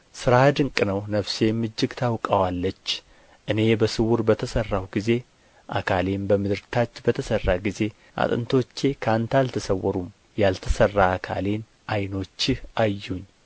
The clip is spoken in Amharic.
ሥራህ ድንቅ ነው ነፍሴም እጅግ ታውቀዋለች እኔ በስውር በተሠራሁ ጊዜ አካሌም በምድር ታች በተሠራ ጊዜ አጥንቶቼ ከአንተ አልተሰወሩም ያልተሠራ አካሌን ዓይኖችህ አዩኝ